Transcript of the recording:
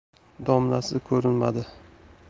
domlasi ko'rinmadi